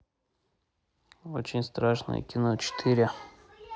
очень страшное кино четыре